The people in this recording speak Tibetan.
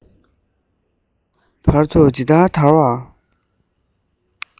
བར དུ ཇི ལྟར དར བ